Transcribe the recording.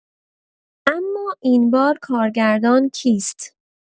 اما این بار کارگردان کیست؟